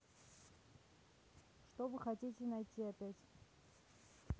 что вы хотите найти опять